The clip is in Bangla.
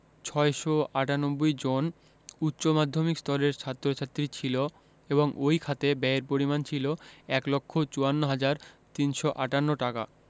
৬৯৮ জন উচ্চ মাধ্যমিক স্তরের ছাত্র ছাত্রী ছিল এবং ওই খাতে ব্যয়ের পরিমাণ ছিল ১ লক্ষ ৫৪ হাজার ৩৫৮ টাকা